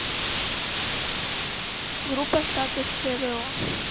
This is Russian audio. группа статус кво